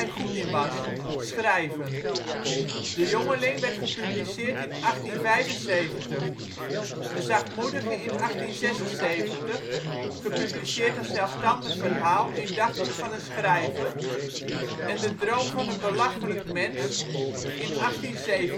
goed in was: schrijven. De jongeling werd gepubliceerd in 1875, De zachtmoedige in 1876 (gepubliceerd als zelfstandig verhaal in Dagboek van een schrijver) en De droom van een belachelijk mens in 1877